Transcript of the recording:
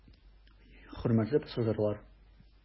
Хөрмәтле пассажирлар!